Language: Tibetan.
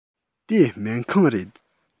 དེ སྨན ཁང རེད